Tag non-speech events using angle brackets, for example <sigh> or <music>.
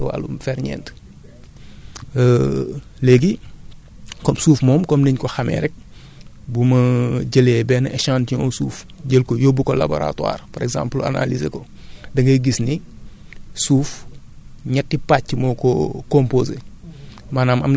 dootul amati dara ci wàllu ferñeent <breath> <hesitation> léegi <smacks lips> comme suuf moom comme ni ñu ko xamee rek <breath> bu ma <hesitation> jëlee benn échantillon suuf jël ko yóbbu ko laboratoir par exemple analyser ko <breath> da ngay gis ni suuf ñetti pàcc moo ko composé